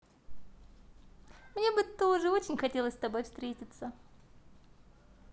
мне бы тоже очень хотелось с тобой встретиться